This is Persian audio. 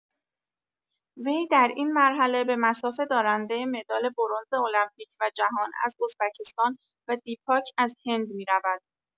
وی در این مرحله به مصاف دارنده مدال برنز المپیک و جهان از ازبکستان و دیپاک از هند می‌رود.